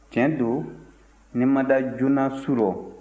tiɲɛ don ne ma da joona su rɔ